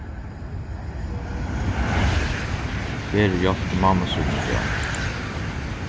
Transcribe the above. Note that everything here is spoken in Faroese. heri hjálpti mammu síni í gjár